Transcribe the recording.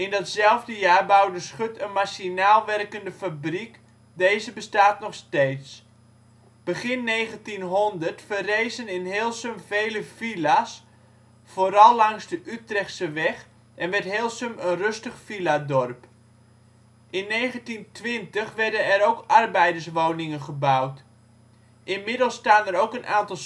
datzelfde jaar bouwde Schut een machinaal werkende fabriek. Deze bestaat nog steeds. Begin 1900 verrezen in Heelsum veel villa 's, vooral langs de Utrechtseweg en werd Heelsum een rustig villadorp. In 1920 werden er ook arbeiderswoningen gebouwd. Inmiddels staan er ook een aantal serviceflats